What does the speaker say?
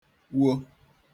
wo